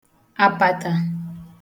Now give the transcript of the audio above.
àpàtà